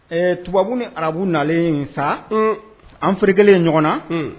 Ɛɛ tubabubu ni arabu nalen sa an fari kelen ɲɔgɔn na